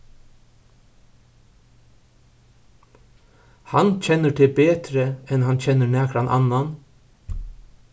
hann kennir teg betri enn hann kennir nakran annan